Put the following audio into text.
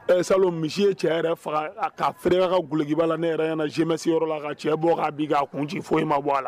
Sa misi ye cɛ yɛrɛ faga ka feereere ka gkibaa la ne yɛrɛ ɲɛna na jeemɛsiyɔrɔ la ka cɛ bɔ k'a bin'a kun nci foyi ma bɔ a la